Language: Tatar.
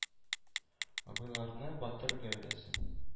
Абыйларның батыр гәүдәсен,